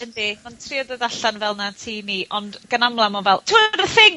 yndi, ma'n trio dod allan fel 'na'n tŷ ni ond gan amla ma' fel t'mod y thing,